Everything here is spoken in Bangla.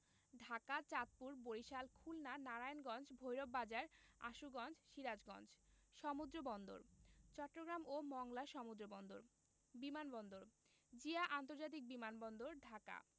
ঢাকা চাঁদপুর বরিশাল খুলনা নারায়ণগঞ্জ ভৈরব বাজার আশুগঞ্জ সিরাজগঞ্জ সমুদ্রবন্দরঃ চট্টগ্রাম ও মংলা সমুদ্রবন্দর বিমান বন্দরঃ জিয়া আন্তর্জাতিক বিমান বন্দর ঢাকা